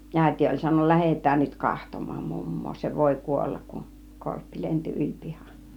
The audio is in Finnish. äiti oli sanonut lähetään nyt katsomaan mummoa se voi kuolla kun korppi lensi yli pihan